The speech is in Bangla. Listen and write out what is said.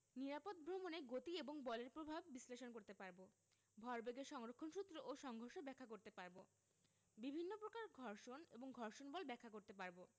নিরাপদ ভ্রমণে গতি এবং বলের প্রভাব বিশ্লেষণ করতে পারব ভরবেগের সংরক্ষণ সূত্র ও সংঘর্ষ ব্যাখ্যা করতে পারব বিভিন্ন প্রকার ঘর্ষণ এবং ঘর্ষণ বল ব্যাখ্যা করতে পারব